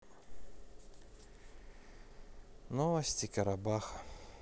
новости карабаха